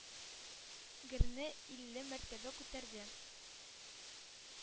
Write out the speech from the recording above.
Герне илле мәртәбә күтәрде.